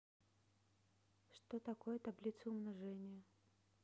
что такое таблица умножения